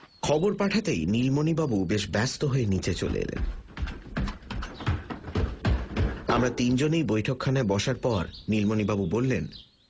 খবর পাঠাতেই নীলমণিবাবু বেশ ব্যস্ত হয়ে নীচে চলে এলেন আমরা তিনজনেই বৈঠকখানায় বসার পর নীলমণিবাবু বললেন